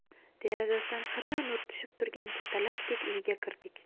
derazasidan xira nur tushib turgan katalakdek uyga kirdik